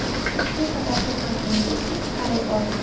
shu sababli ham unga tik qaray olmadi